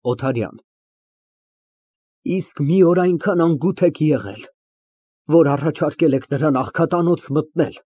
ՕԹԱՐՅԱՆ ֊ Իսկ մի օր այնքան անգութ եք եղել, որ առաջարկել եք նրան աղքատանոց մտնել։